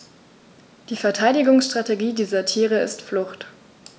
Die Verteidigungsstrategie dieser Tiere ist Flucht.